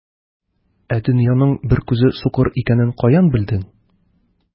Ә дөянең бер күзе сукыр икәнен каян белдең?